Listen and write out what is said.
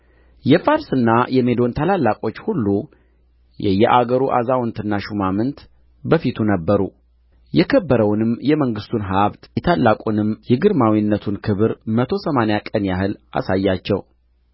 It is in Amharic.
የፋርስና የሜዶን ታላላቆች ሁሉ የየአገሩ አዛውንትና ሹማምት በፊቱ ነበሩ የከበረውንም የመንግሥቱን ሀብት የታላቁንም የግርማዊነቱን ክብር መቶ ሰማንያ ቀን ያህል አሳያቸው